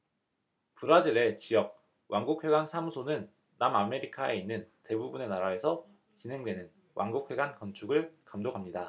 브라질의 지역 왕국회관 사무소는 남아메리카에 있는 대부분의 나라에서 진행되는 왕국회관 건축을 감독합니다